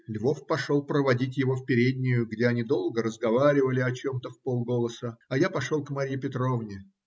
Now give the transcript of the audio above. Львов пошел проводить его в переднюю, где они долго разговаривали о чем-то вполголоса, а я пошел к Марье Петровне.